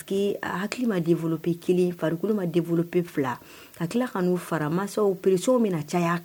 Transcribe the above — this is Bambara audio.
puis hakili ma devellopper kelen, fariokolo ma devellopper fila ka tila k'o fara mansaw peression _ bɛna caya' kan